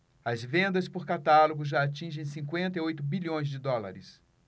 as vendas por catálogo já atingem cinquenta e oito bilhões de dólares